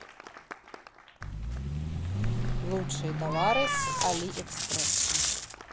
лучшие товары с алиэкспресс